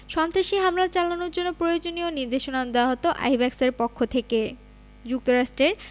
সন্ত্রাসী হামলা চালানোর জন্য প্রয়োজনীয় নির্দেশনাও দেওয়া হতো আইব্যাকসের পক্ষ থেকে যুক্তরাষ্ট্রের